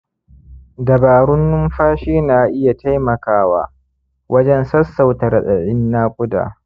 dabarun numfashi na iya taimakawa wajen sassauta raɗaɗin naƙuda